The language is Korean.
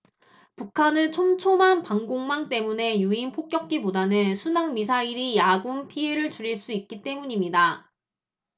북한의 촘촘한 방공망 때문에 유인 폭격기보다는 순항미사일이 아군 피해를 줄일 수 있기 때문입니다